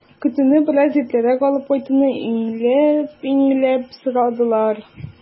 Көтүне бераз иртәрәк алып кайтуны инәлеп-инәлеп сорадылар.